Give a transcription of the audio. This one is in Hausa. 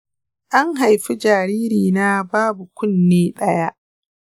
an haifi jaririna babu ƙunne ɗaya.